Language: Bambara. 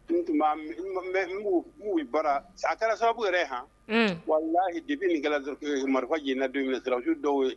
Tun bɔra sa kɛra sababubu yɛrɛ h walahi debi nikɛlaw marifa jina don ye sira usiw dɔw ye